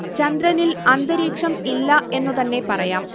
ചന്ദ്രനിൽ അന്തരീക്ഷം ഇല്ല എന്നു തന്നെ പറയാം